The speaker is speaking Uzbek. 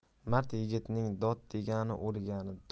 mard yigitning dod degani o'lgani